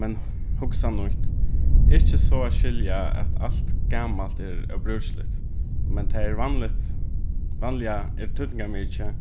men hugsa nýtt ikki so at skilja at alt gamalt er óbrúkiligt men tað er vanligt vanliga er týdningarmikið